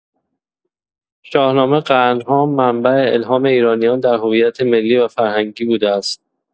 شاهنامه قرن‌ها منبع الهام ایرانیان در هویت ملی و فرهنگی بوده است.